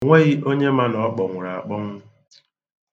O nweghị onye ma na ọ kpọnwụrụ akpọnwụ.